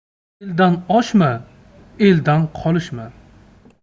eldan oshma eldan qolishma